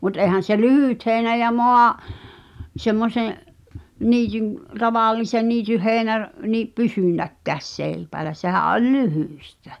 mutta eihän se lyhyt heinä ja - semmoisen niityn tavallisen niityn heinä - niin pysynytkään seipäällä sehän oli lyhyttä